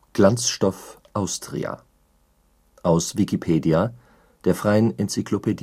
Glanzstoff Austria, aus Wikipedia, der freien Enzyklopädie